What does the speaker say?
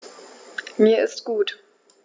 Mir ist gut.